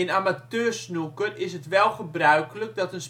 amateursnooker is het wel gebruikelijk dat een